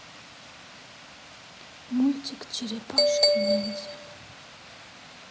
мультик черепашки ниндзя